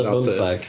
Bum bag.